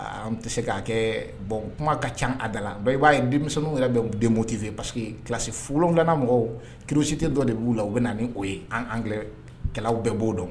An tɛ se ka kɛ bɔn kuma ka ca a da la i b'a ye denmisɛnninw yɛrɛ bɛ moti fɛ parce kilasi f nana mɔgɔw kirisite dɔ de b'u la u bɛ na o yekɛlaw bɛɛ' oo